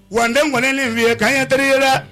Wa tɛ nknen nin f' ye ka'an ɲɛ teri ye la